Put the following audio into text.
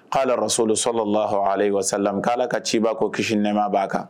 K'a yɛrɛrɔsolonsɔ lah hɔn aleale wa sami k' ka ciba ko kisi nɛma b'a kan